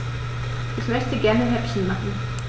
Ich möchte gerne Häppchen machen.